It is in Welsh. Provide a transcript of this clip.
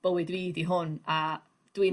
bywyd fi 'di hwn a dwi...